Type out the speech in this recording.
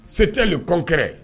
C'etait le congrès